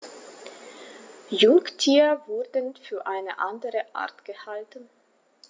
Jungtiere wurden für eine andere Art gehalten.